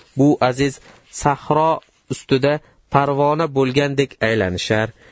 bu aziz sahro ustida parvona bo'lgandek aylanishar